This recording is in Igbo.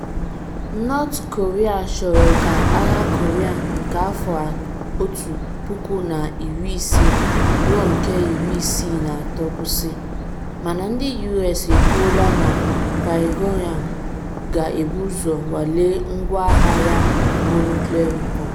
North Korea chọrọ ka agha Korean nke Afọ otu puku na iri ise ruo nke iri ise na atọ kwụsị, mana ndị US ekwuola na Pyongyang ga-ebu ụzọ nwalee ngwa agha ya bụ nuclear weapon.